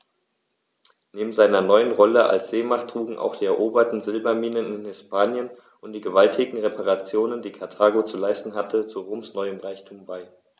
Neben seiner neuen Rolle als Seemacht trugen auch die eroberten Silberminen in Hispanien und die gewaltigen Reparationen, die Karthago zu leisten hatte, zu Roms neuem Reichtum bei.